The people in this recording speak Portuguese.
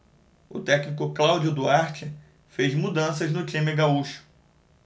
o técnico cláudio duarte fez mudanças no time gaúcho